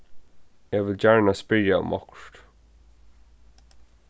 eg vil gjarna spyrja um okkurt